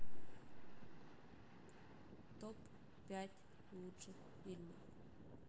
топ пять лучших фильмов